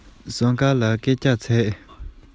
དྲི བ འདི དང དྲིས ལན འདི ནི